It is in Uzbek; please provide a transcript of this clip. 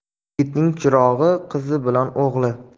yigitning chirog'i qizi bilan o'g'li